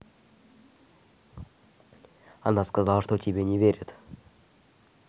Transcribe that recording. она сказала что тебе не верит